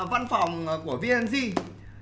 văn phòng của vi en di